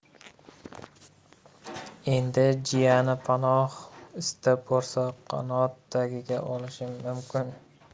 endi jiyani panoh istab borsa qanoti tagiga olishi mumkin